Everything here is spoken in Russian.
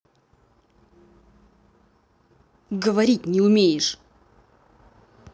говорить не умеешь